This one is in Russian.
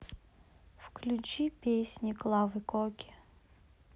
включи песни клавы коки